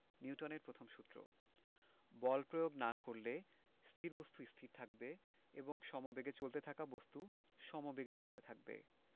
নিউটনের প্রথম সূত্র বল প্রয়োগ না করলে স্থির বস্তু স্থির থাকবে এবং সমেবেগে চলতে থাকা বস্তু সমেবেগে চলতে থাকবে